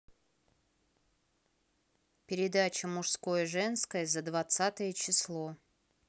передача мужское женское за двадцатое число